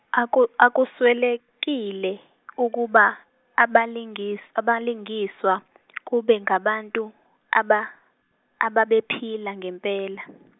aku- akuswelekile ukuba abaling- abalingiswa kube ngabantu aba- ababephila ngempela.